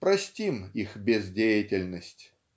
Простим их бездеятельность.